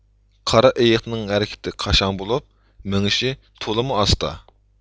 قارا ئېيقنىڭ ھەرىكىتى قاشاڭ بولۇپ مېڭىشى تولىمۇ ئاستا